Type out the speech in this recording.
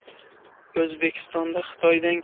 o'zbekistonda xitoydan kelgan